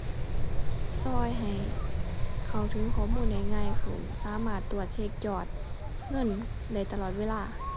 ช่วยให้เข้าถึงข้อมูลได้ง่ายขึ้น สามารถตรวจเช็กยอดเงินได้ตลอดเวลา